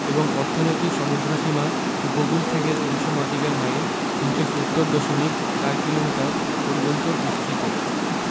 এবং অর্থনৈতিক সমুদ্রসীমা উপকূল থেকে ২০০ নটিক্যাল মাইল ৩৭০ দশমিক ৪ কিলোমিটার পর্যন্ত বিস্তৃত